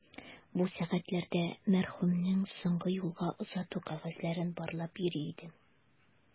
Бу сәгатьләрдә мәрхүмнең соңгы юлга озату кәгазьләрен барлап йөрим.